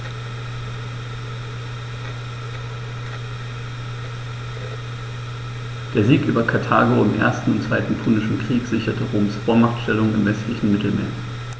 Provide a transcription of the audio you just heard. Der Sieg über Karthago im 1. und 2. Punischen Krieg sicherte Roms Vormachtstellung im westlichen Mittelmeer.